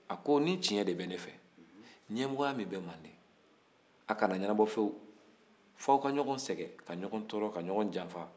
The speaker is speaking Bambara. a ko ni tiɲɛ de bɛ ne fɛ ɲɛmɔgɔya min bɛ mande a kana ɲɛnabɔ fiyewu fɔ aw ka ɲɔgɔn sɛgɛn ka ɲɔgɔn tɔɔrɔ ka ɲɔgɔn janfa